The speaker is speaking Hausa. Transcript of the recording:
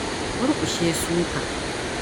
Murƙushe suka